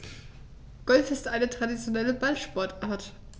Golf ist eine traditionelle Ballsportart.